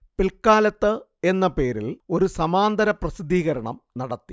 പിൽക്കാലത്ത് എന്ന പേരിൽ ഒരു സമാന്തര പ്രസിദ്ധീകരണം നടത്തി